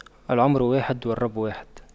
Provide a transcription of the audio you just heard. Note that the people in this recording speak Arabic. العمر واحد والرب واحد